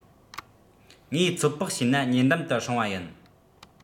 ངས ཚོད དཔག བྱས ན ཉེ འགྲམ དུ སྲུང བ ཡིན